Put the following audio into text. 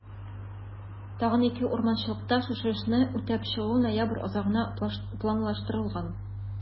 Тагын 2 урманчылыкта шушы эшне үтәп чыгу ноябрь азагына планлаштырылган.